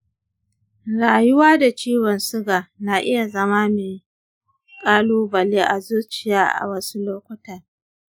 rayuwa da ciwon suga na iya zama mai ƙalubale a zuciya a wasu lokuta.